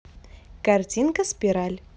картинка спираль